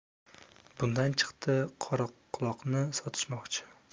bundan chiqdi qoraquloqni sotishmoqchi